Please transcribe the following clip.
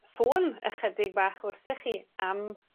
sôn ychydig bach wrthych chi am